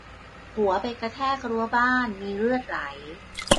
หัวไปกระแทกรั้วบ้านมีเลือดไหล